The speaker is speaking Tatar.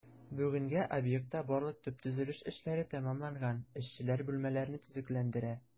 Бүгенгә объектта барлык төп төзелеш эшләре тәмамланган, эшчеләр бүлмәләрне төзекләндерә.